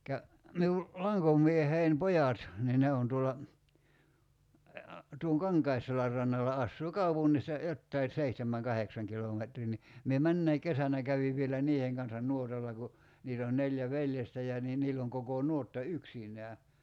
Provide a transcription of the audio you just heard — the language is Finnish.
- minun lankomieheni pojat niin ne on tuolla tuon Kankaisselän rannalla asuu kaupungista jotakin seitsemän kahdeksan kilometriä niin minä menneenäkin kesänä kävin vielä niiden kanssa nuotalla kun niitä on neljä veljestä ja niin niillä on koko nuotta yksinään